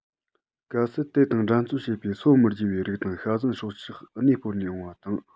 གལ སྲིད དེ དང འགྲན རྩོད བྱེད པའི སོ མི བརྗེ བའི རིགས དང ཤ ཟན སྲོག ཆགས གནས སྤོར ནས འོངས པ དང